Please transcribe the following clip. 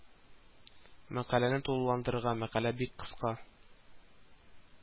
Мәкаләне тулыландырырга мәкалә бик кыска